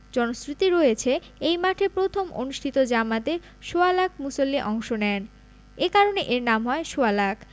জনশ্রুতি রয়েছে এই মাঠে প্রথম অনুষ্ঠিত জামাতে সোয়া লাখ মুসল্লি অংশ নেন এ কারণে এর নাম হয় সোয়া লাখ